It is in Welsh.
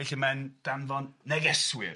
Felly mae'n danfon negeswyr.